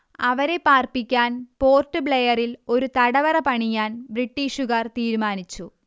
അവരെ പാർപ്പിക്കാൻ പോർട്ട് ബ്ലെയറിൽ ഒരു തടവറ പണിയാൻ ബ്രിട്ടീഷുകാർ തീരുമാനിച്ചു